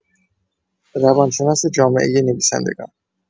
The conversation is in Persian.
روانشناس جامعۀ نویسندگان